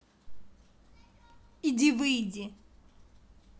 иди выйди